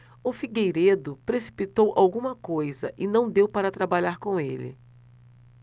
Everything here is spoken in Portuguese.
o figueiredo precipitou alguma coisa e não deu para trabalhar com ele